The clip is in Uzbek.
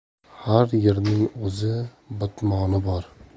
har yerning o'z botmoni bor